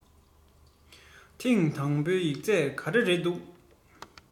ཐེང དང པོའི ཡིག ཚད ག རེ རེད འདུག